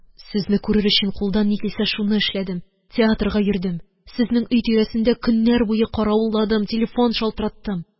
Сезне күрер өчен кулдан ни килсә, шуны эшләдем. Театрга йөрдем, сезнең өй тирәсендә көннәр буе каравылладым, телефон шалтыраттым.